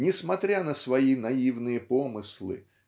несмотря на свои наивные помыслы